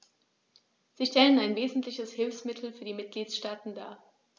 Sie stellen ein wesentliches Hilfsmittel für die Mitgliedstaaten dar.